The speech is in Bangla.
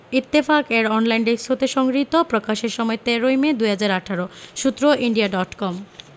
ইত্তেফাক এর অনলাইন ডেক্স হতে সংগৃহীত প্রকাশের সময় ১৩ মে ২০১৮ সূত্র ইন্ডিয়া ডট কম